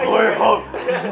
hồi hộp